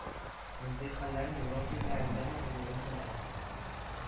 Мондый хәлләр европа илләрендә дә булуын беләм